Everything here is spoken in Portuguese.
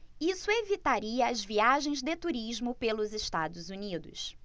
isso evitaria as viagens de turismo pelos estados unidos